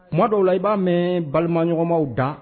Ma dɔw la i b'a mɛn balimaɲɔgɔnɔgɔmaw da